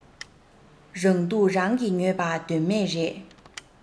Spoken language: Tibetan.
རང སྡུག རང གིས ཉོས པ དོན མེད རེད